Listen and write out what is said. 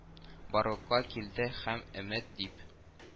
Барлыкка килде һәм өмет дип